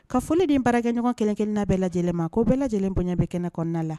Ka foli di n baarakɛɲɔgɔn kelen kelen na bɛɛ lajɛlen ma , ko bɛɛ lajɛlen bonya bɛ kɛnɛ kɔnɔna la.